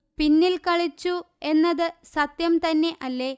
പിന്നിൽ കളിച്ചൂ എന്നത് സത്യം തന്നെ അല്ലെ